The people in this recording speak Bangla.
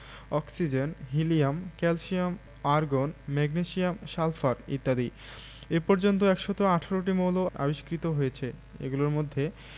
oxygen helium calcium argon magnesium sulphur ইত্যাদি এ পর্যন্ত ১১৮টি মৌল আবিষ্কৃত হয়েছে এগুলোর মধ্যে